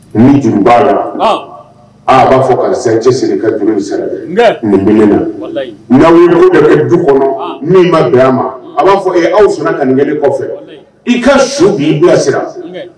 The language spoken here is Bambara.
Ni juru b'ala aa a b'a fɔ karisa ye cɛsiri i ka juru in sira dɛ ni bɛ ne la n'a y'aw tugun k'an kɛ du kɔnɔ min man bɛn a ma a b'a fɔ aw sɔna ka nin kɛ ne kɔfɛ i ka su b'i bilasira.